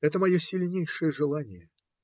Это мое сильнейшее желание.